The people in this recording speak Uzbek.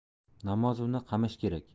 namozovni qamash kerak